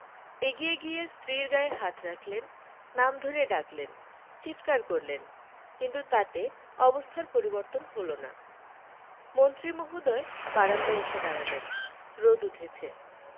এগিয়ে গিয়ে স্ত্রীর গায়ে হাত রাখলেন নাম ধরে ডাকলেন চিৎকার করলেন কিন্তু তাতে অবস্থার পরিবর্তন হলো না মন্ত্রী মহোদয় বারান্দায় এসে দাঁড়ালেন রোদ উঠেছে